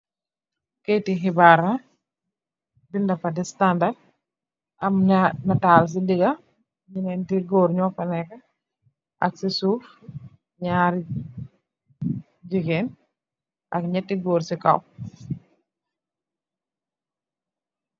Kayiti xibarr la binda ko di Standard am nittal ci dega ñetti gór ño fa nekka ak ci suuf ñaari gigeen ak ñetti gór ci kaw.